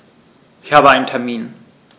Ich habe einen Termin.